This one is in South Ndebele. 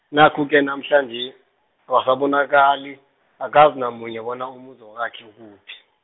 nakhu-ke namhlanje abasabonakali, akazi namunye bona umuzi wakhe ukuphi.